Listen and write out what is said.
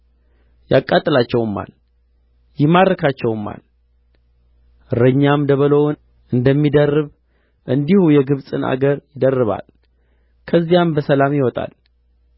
ያቃጥላቸውማል ይማርካቸውማል እረኛም ደበሎውን እንደሚደርብ እንዲሁ የግብጽን አገር ይደርባል ከዚያም በሰላም ይወጣል